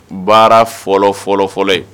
Baara fɔlɔ fɔlɔ fɔlɔ ye